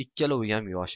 ikkaloviyam yosh